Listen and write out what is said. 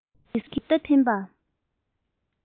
མིག གི ཟུར མདའ འཕེན པ